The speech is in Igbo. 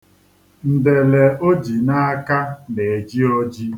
Ndele o ji n'aka na-eji oji.